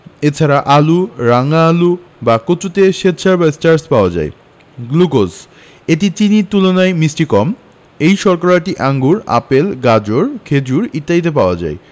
এছাড়া আলু রাঙা আলু বা কচুতেও শ্বেতসার বা স্টার্চ পাওয়া যায় গ্লুকোজ এটি চিনির তুলনায় মিষ্টি কম এই শর্করাটি আঙুর আপেল গাজর খেজুর ইত্যাদিতে পাওয়া যায়